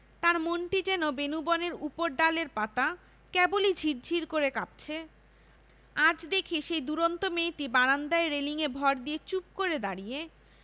তার মনটি যেন বেনূবনের উপরডালের পাতা কেবলি ঝির ঝির করে কাঁপছে আজ দেখি সেই দূরন্ত মেয়েটি বারান্দায় রেলিঙে ভর দিয়ে চুপ করে দাঁড়িয়ে